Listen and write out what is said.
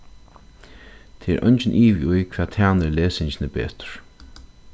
tað er eingin ivi í hvat tænir lesingini betur